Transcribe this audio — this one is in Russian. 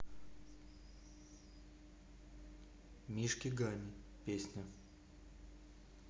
мишки гамми песня